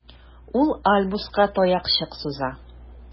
Ул Альбуска таякчык суза.